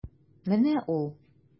Менә ул.